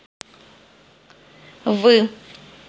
вы